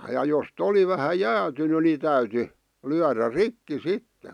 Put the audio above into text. ja jos oli vähän jäätynyt niin täytyi lyödä rikki sitten